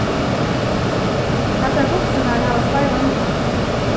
hasar buksurnar hava skeivan lit